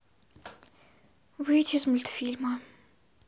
выйти из мультфильма